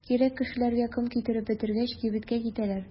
Кирәк кешеләргә ком китереп бетергәч, кибеткә китәләр.